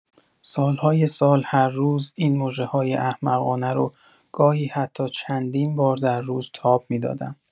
سال‌های سال، هر روز این مژه‌های احمقانه رو گاهی حتی چندین بار در روز تاب می‌دادم.